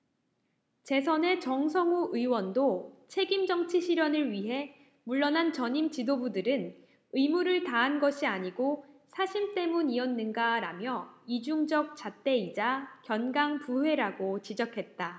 재선의 정성호 의원도 책임정치 실현을 위해 물러난 전임 지도부들은 의무를 다한 것이 아니고 사심 때문이었는가라며 이중적 잣대이자 견강부회라고 지적했다